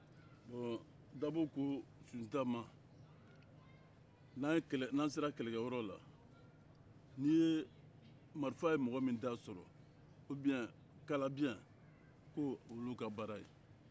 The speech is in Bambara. ɔɔ dabɔ ko sunjata ma n'an sera kɛlɛkɛ yɔrɔ la ni marifa ye mɔgɔ min da sɔrɔ oubien kalabiyen ko o y'u ka baara ye